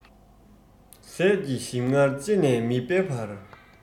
ཟས ཀྱི ཞིམ མངར ལྕེ ནས མིད པའི བར